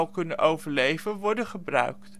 kunnen overleven, worden gebruikt